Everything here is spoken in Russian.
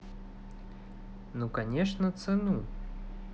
ну конечно цену